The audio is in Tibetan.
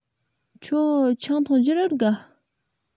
ཁྱོད ཆང འཐུང རྒྱུར འུ དགའ